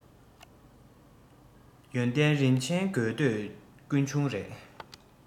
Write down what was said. ཡོན ཏན རིན ཆེན དགོས འདོད ཀུན འབྱུང རེད